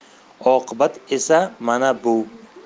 oqibat esa mana bu